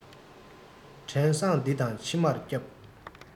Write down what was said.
བྲན བཟང འདི དང ཕྱི མར བསྐྱབས